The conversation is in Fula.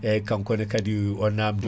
eyyi kanko ne kaadi o namdi